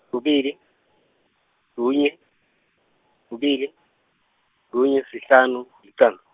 kubili kunye kubili kunye sihlanu licandza.